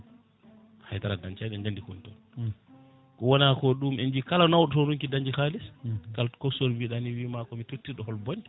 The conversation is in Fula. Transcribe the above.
haydara a dancca eɗen gandi ko woni kowona ko ɗum en jii kala nawɗo toon ronki dañde haliss kalata to coxeur mbiɗani wiima komi tottirɗo hoto bonde